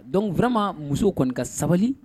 Donc vraiment musow kɔni ka sabali